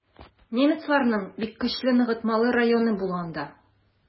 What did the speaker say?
Немецларның бик көчле ныгытмалы районы була анда.